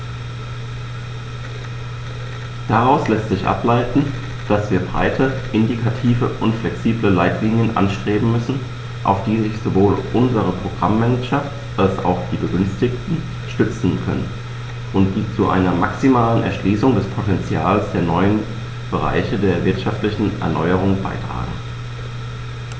Daraus lässt sich ableiten, dass wir breite, indikative und flexible Leitlinien anstreben müssen, auf die sich sowohl unsere Programm-Manager als auch die Begünstigten stützen können und die zu einer maximalen Erschließung des Potentials der neuen Bereiche der wirtschaftlichen Erneuerung beitragen.